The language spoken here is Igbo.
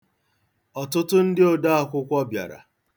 Ọtụtụ ndị odaakwụkwọ bịara.